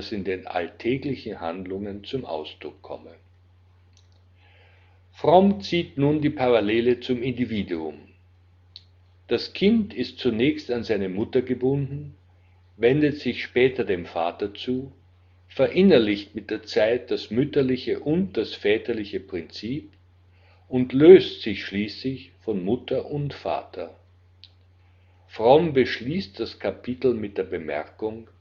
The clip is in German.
in den alltäglichen Handlungen zum Ausdruck komme. Fromm zieht nun die Parallele zum Individuum: Das Kind ist zunächst an seine Mutter gebunden, wendet sich später dem Vater zu, verinnerlicht mit der Zeit das mütterliche und das väterliche Prinzip und löst sich schließlich von Mutter und Vater. Fromm beschließt das Kapitel mit der Bemerkung